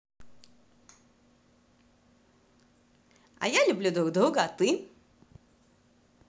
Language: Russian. а я люблю друг друга а ты